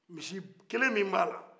misi kelen min b'a la